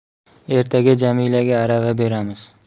ertaga jamilaga arava beramiz